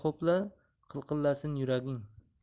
ho'pla qilqillasin yuraging